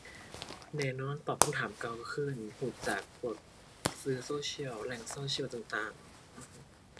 แน่นอนตอบคำถามเก่าก็คือ อั่น ก็จักพวกสื่อโซเชียลแหล่งโซเชียลต่างต่าง อือฮึ